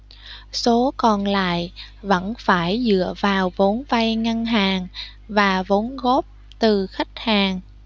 số còn lại vẫn phải dựa vào vốn vay ngân hàng và vốn góp từ khách hàng